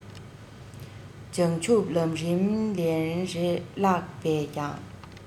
བྱང ཆུབ ལམ རིམ ལན རེ བཀླགས པས ཀྱང